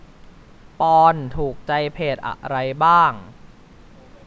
ปอนด์ถูกใจเพจอะไรบ้าง